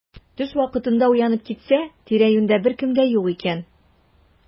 Төш вакытында уянып китсә, тирә-юньдә беркем дә юк икән.